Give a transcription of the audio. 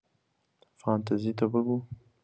فانتزیتو بگو.